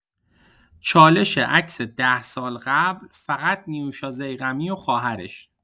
چالش عکس ده سال قبل فقط نیوشا ضیغمی و خواهرش!